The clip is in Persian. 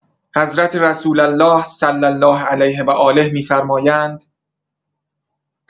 حضرت رسول‌الله صلی‌الله‌علیه‌وآله می‌فرمایند